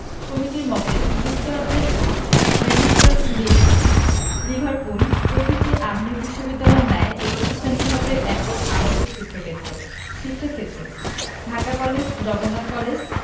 কমিটির মতে যুক্তরাজ্যের ম্যানেস্টার লিডস লিভারপুল প্রভৃতি আধুনিক বিশ্ববিদ্যালয়ের ন্যায় এ প্রতিষ্ঠানটি হবে একক আবাসিক শিক্ষাক্ষেত্র শিক্ষাক্ষেত্ ঢাকা কলেজ জগন্নাথ কলেজ